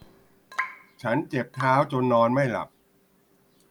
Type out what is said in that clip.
ฉันเจ็บเท้าจนนอนไม่หลับ